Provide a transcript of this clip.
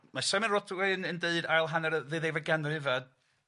Ma' Simon Rodwyn yn yn deud ail hanner y ddeuddegfed ganrif a